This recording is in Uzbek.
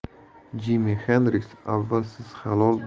jimi xendrix avval siz halol